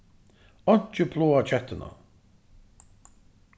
einki plágar kettuna